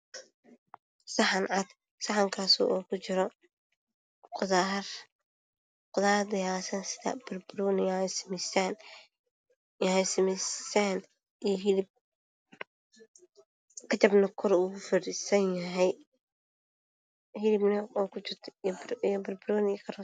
Waa saxan cad oo qudaar kujirto sida banbanooni ,yaanyo simisaam iyo hilib, kajab na kor oga daasan yahay.